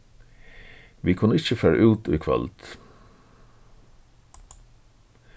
vit kunnu ikki fara út í kvøld